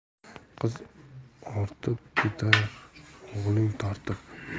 qiz ortib ketar o'g'il tortib